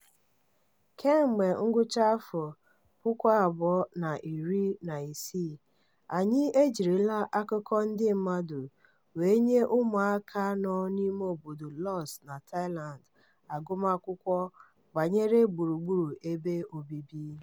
Kemgbe ngwụcha afọ 2016, anyị ejirila akụkọ ndị mmadụ wee nye ụmụaka nọ n'ime obodo Laos na Thailand agụmakwụkwọ banyere gburuburu ebe obibi.